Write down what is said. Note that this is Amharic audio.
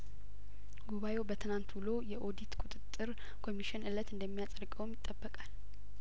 ጉባኤው በትናንት ውሎው የኦዲት ቁጥጥር ኮሚሽን እለት እንደሚያጸድቀውም ይጠበቃል